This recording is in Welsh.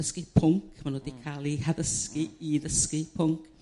ddysgu pwnc ma' nhw 'di ca'l eu haddysgu i ddysgu pwnc.